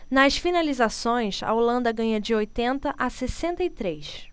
nas finalizações a holanda ganha de oitenta a sessenta e três